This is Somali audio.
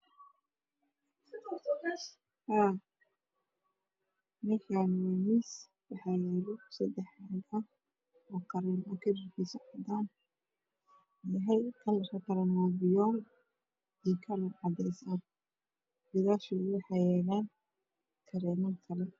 Meeshaan waa miis waxaa yaalo seddex kareeman oo kalarkiisu yahay cadaan iyo fiyool iyo cadeys gadaalna waxaa yaalo kareemo badan.